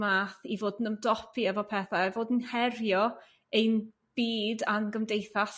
math i fod yn ymdopi efo pethe a fod yn herio ein byd a'n gymdeithas